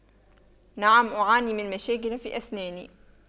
نعم أعاني من مشاكل في أسناني